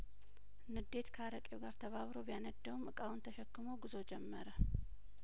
ንዴት ከአረቄው ጋር ተባብሮ ቢያነደውም እቃውን ተሸክሞ ጉዞ ጀመረ